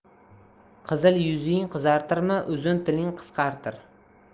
qizil yuzing qizartirma uzun tiling qisqartir